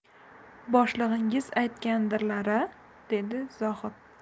boshlig'ingiz aytgandirlar a dedi zohid